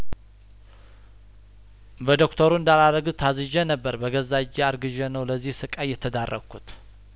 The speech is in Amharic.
በዶክተሩ እንዳላ ረግዝ ታዝዤ ነበር በገዛ እጄ አርግ ዤ ነው ለዚህ ስቃይየተዳረ ኩት